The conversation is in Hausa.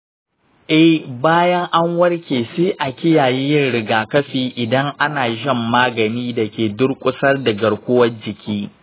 eh, bayan an warke, sai a kiyaye yin rigakafi idan ana shan magani da suke durƙusar da garkuwar jiki.